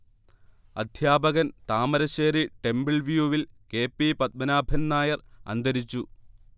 അധ്യാപകൻ Thamarassery ടെമ്പിൾവ്യൂവിൽ K. P. Padmanabhan Nair അന്തരിച്ചു